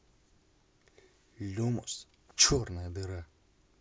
люмус черная дыра